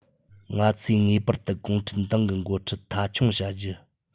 ང ཚོས ངེས པར དུ གུང ཁྲན ཏང གི འགོ ཁྲིད མཐའ འཁྱོངས བྱ རྒྱུ